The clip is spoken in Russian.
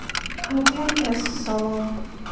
один эс салон